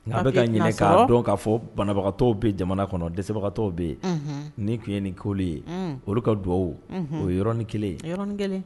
N'a bɛka ka ka dɔn k'a fɔ banabagatɔ bɛ jamana kɔnɔ desebagatɔ bɛ yen nin tun ye ni ko ye olu ka dugawu o yeɔrɔnin kelen yeɔrɔn kelen